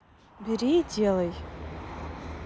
бери и делай